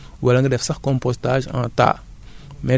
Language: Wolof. ñu loolu ñu naan ko compostage trou de compostage